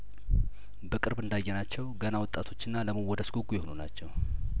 በቅርብ እንዳየናቸው ገና ወጣቶችና ለመወደስ ጉጉ የሆኑ ናቸው